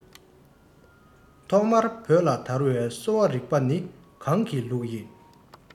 ཐོག མར བོད ལ དར བའི གསོ བ རིག པ ནི གང གི ལུགས ཡིན